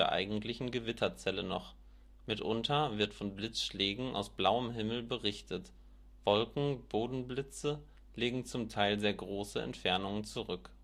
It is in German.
eigentlichen Gewitterzelle noch, mitunter wird von Blitzschlägen aus blauem Himmel berichtet, Wolken-Boden-Blitze legen zum Teil sehr große Entfernungen zurück